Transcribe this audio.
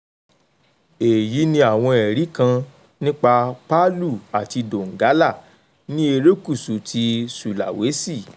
Èyí ni àwọn ẹ̀rí kan nípa Palu ati Donggala, ní erékùṣú ti Sulawesi: